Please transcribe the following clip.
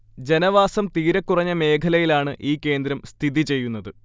ജനവാസം തീരെക്കുറഞ്ഞ മേഖലയിലാണ് ഈ കേന്ദ്രം സ്ഥിതി ചെയ്യുന്നത്